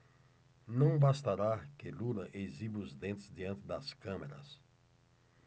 não bastará que lula exiba os dentes diante das câmeras